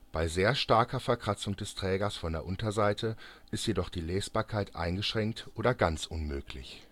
Bei sehr starker Verkratzung des Trägers von der Unterseite ist jedoch die Lesbarkeit eingeschränkt oder ganz unmöglich